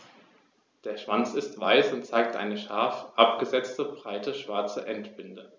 Der Schwanz ist weiß und zeigt eine scharf abgesetzte, breite schwarze Endbinde.